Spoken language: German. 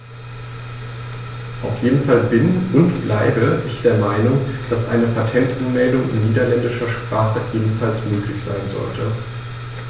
Auf jeden Fall bin - und bleibe - ich der Meinung, dass eine Patentanmeldung in niederländischer Sprache ebenfalls möglich sein sollte.